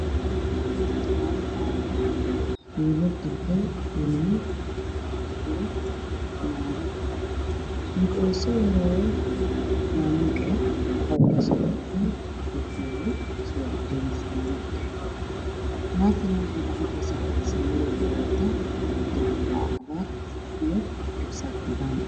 Waanimay io naago ninka usoohoreeyo waxa uu wataa ookiyaalo naagtana garbosaar